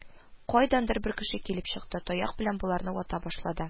Кайдандыр бер кеше килеп чыкты, таяк белән боларны вата башлады